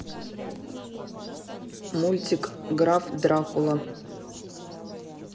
мультик граф дракула